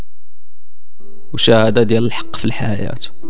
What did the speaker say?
مشاهده الحق في الحياه